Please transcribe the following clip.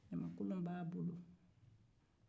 ɲamankolon b'a bolo